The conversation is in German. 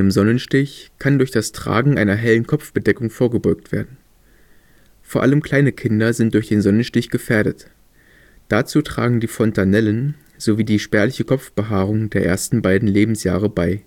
Sonnenstich kann durch das Tragen einer hellen Kopfbedeckung vorgebeugt werden. Vor allem kleine Kinder sind durch den Sonnenstich gefährdet. Dazu tragen die Fontanellen sowie die spärliche Kopfbehaarung der ersten beiden Lebensjahre bei